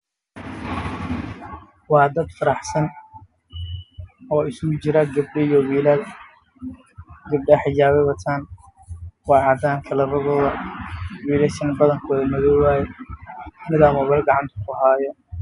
Waa dad dabaal degayo oo maalin wacan ku jiro